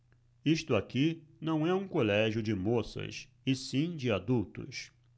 isto aqui não é um colégio de moças e sim de adultos